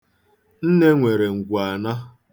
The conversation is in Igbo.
Nne nwere nkwo anọ.